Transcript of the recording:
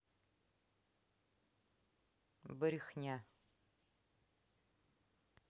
брихня